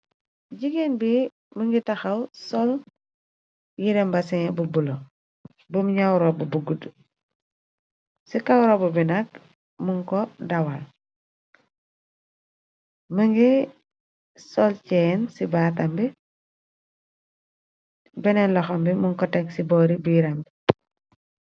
jigéen bi mun ngi taxaw sol yirembasi bu bulo bum ñaw rob bu gudd. Ci kaw rob bi nakk mun ko dawal mun ngu sol jeep ci baatambi. Beneen loxambi mun ko teg ci boori buiram bi.